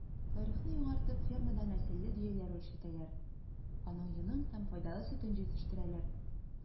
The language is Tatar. Тарихны яңартып фермада нәселле дөяләр үчретәләр, аның йонын һәм файдалы сөтен җитештерәләр.